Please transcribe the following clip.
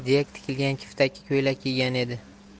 tikilgan kiftaki ko'ylak kiygan edi